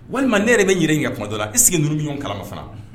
Walima ne yɛrɛ bɛ ɲini kaɔntɔ e sigi ninnu ɲɔgɔn kalama fana